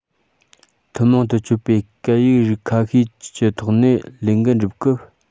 ཐུན མོང དུ སྤྱོད པའི སྐད ཡིག རིགས ཁ ཤས ཀྱི ཐོག ནས ལས འགན སྒྲུབ སྐབས